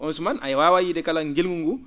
on suman a waawat yiide kala ngilngu nguu